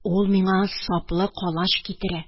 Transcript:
Ул миңа саплы калач китерә.